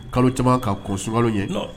Kalo caman ka kɔn soŋalo ɲɛ non